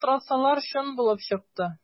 Шалтыратсалар, чын булып чыкты.